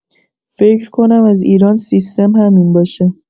فکر کنم از ایران سیستم همین باشه